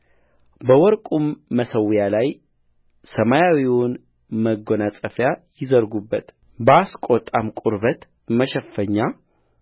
በወርቁም መሠዊያ ላይ ሰማያዊውን መጐናጸፊያ ይዘርጉበት በአቆስጣም ቁርበት መሸፈኛ